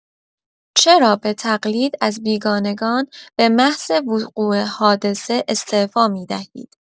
چرا به تقلید از بیگانگان به محض وقوع حادثه استعفا می‌دهید؟